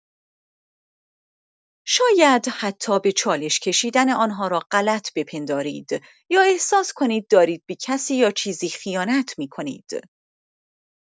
شاید حتی به چالش کشیدن آن‌ها را غلط بپندارید یا احساس کنید دارید به کسی یا چیزی خیانت می‌کنید.